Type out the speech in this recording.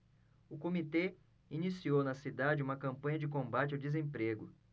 o comitê iniciou na cidade uma campanha de combate ao desemprego